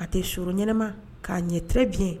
A tɛ s ɲɛnaɛnɛma k'a ɲɛre bi ye